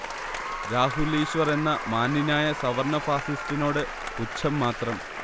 രാഹുൽ ഈശ്വർ എന്ന മാന്യനായ സവർണ്ണ ഫാസിസ്റ്റ്നോട് പുച്ഛം മാത്രം